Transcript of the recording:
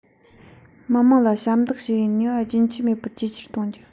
མི དམངས ལ ཞབས འདེགས ཞུ བའི ནུས པ རྒྱུན ཆད མེད པར ཇེ ཆེར གཏོང རྒྱུ